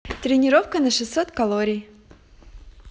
тренировка на шестьсот калорий